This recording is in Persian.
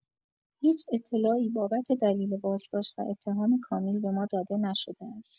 هیچ اطلاعی بابت دلیل بازداشت و اتهام کامیل به ما داده نشده است.